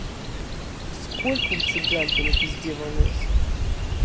сколько у цыганки на пизде волос